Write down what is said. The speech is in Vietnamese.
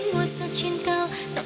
trên cao tặng